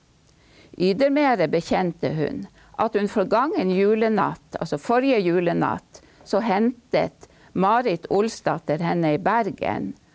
yttermere bekjente hun at hun forgangen julenatt, altså forrige julenatt, så hentet Marit Olsdatter henne i Bergen.